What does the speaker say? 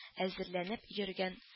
Әзерләнеп йөргән